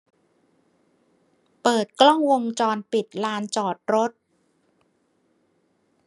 เปิดกล้องวงจรปิดลานจอดรถ